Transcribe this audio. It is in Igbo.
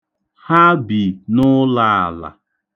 Ha bi n'ụlaala.